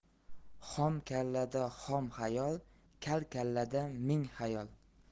xom kallada xom xayol kal kallada ming xayol